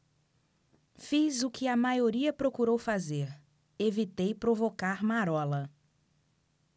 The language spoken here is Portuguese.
fiz o que a maioria procurou fazer evitei provocar marola